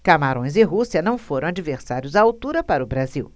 camarões e rússia não foram adversários à altura para o brasil